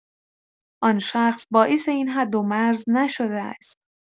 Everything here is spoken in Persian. آن شخص باعث این حدومرز نشده است.